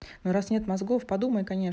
ну раз нет мозгов подумай конечно